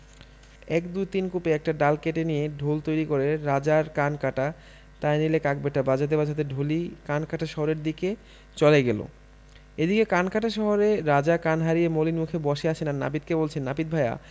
এক দুই তিন কোপে একটা ডাল কেটে নিয়ে ঢোল তৈরি করে ‘রাজার কান কাটা তাই নিলে কাক ব্যাটা বাজাতে বাজাতে ঢুলি কানকাটা শহরের দিকে চলে গেল এদিকে কানকাটা শহরে রাজা কান হারিয়ে মলিন মুখে বসে আছেন আর নাপিতকে বলছেন নাপিত ভায়া